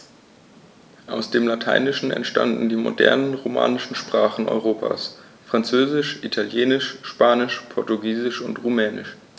Aus dem Lateinischen entstanden die modernen „romanischen“ Sprachen Europas: Französisch, Italienisch, Spanisch, Portugiesisch und Rumänisch.